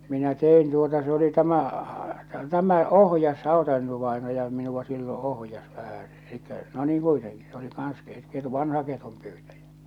minä tein tuota se oli tämä tämä ohjasi Hauta-Eino-vainaja minua silloin ohjasi vähän eli no niin kuitenkin se oli kanssa -- vanha ketunpyytäjä